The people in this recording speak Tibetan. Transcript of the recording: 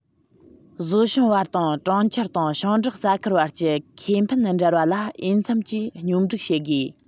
བཟོ ཞིང བར དང གྲོང ཁྱེར དང ཞིང འབྲོག ས ཁུལ བར གྱི ཁེ ཕན འབྲེལ བ ལ འོས འཚམ གྱིས སྙོམས སྒྲིག བྱེད དགོས